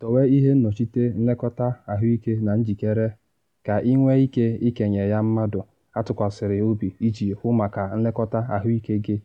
Dowe ihe nnọchite nlekọta-ahụike na njikere ka ị nwee ike ịkenye ya mmadụ atụkwasịrị obi iji hụ maka nlekọta ahụike gị